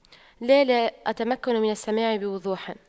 لا لا أتمكن من السماع بوضوح